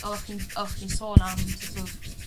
oddach chi'n oddach chdi'n sôn am so't of